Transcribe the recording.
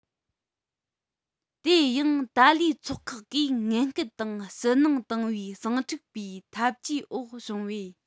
དེ ཡང ཏཱ ལའི ཚོགས ཁག གིས ངན སྐུལ དང ཕྱི ནང བཏང བའི ཟིང འཁྲུག པའི ཐབས ཇུས འོག བྱུང བས